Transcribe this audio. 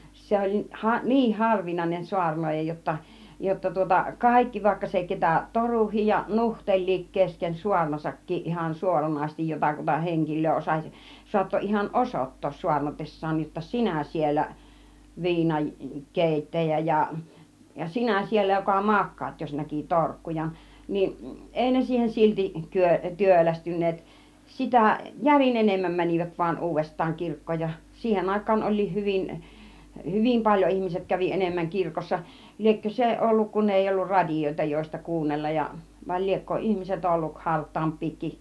se oli - niin harvinainen saarnaaja jotta jotta tuota kaikki vaikka se ketä toruikin ja nuhtelikin kesken saarnassakin ihan suoranaisesti jotakuta henkilöä osasi saattoi ihan osoittaa saarnatessaan jotta sinä siellä viinan keittäjä ja ja sinä siellä joka makaat jos näki torkkujan niin ei ne siihen silti - työlästyneet sitä järin enemmän menivät vain uudestaan kirkkoon ja siihen aikaan olikin hyvin hyvin paljon ihmiset kävi enemmän kirkossa liekö se ollut kun ei ollut radioita joista kuunnella ja vai liekö ihmiset ollut hartaampiakin